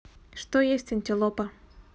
что есть антилопа